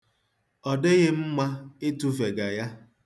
Ọ dịghị mma ịtụfega ya.